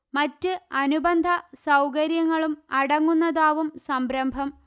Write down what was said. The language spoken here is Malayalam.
മറ്റ് അനുബന്ധ സൌകര്യങ്ങളും അടങ്ങുന്നതാവും സംരംഭം